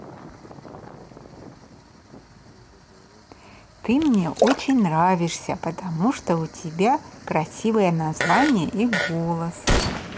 ты мне очень нравишься потому что у тебя красивое название и голос